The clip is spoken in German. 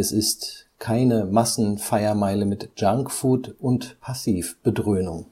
ist „ keine Massen-Feiermeile mit Junk-Food und Passiv-Bedröhnung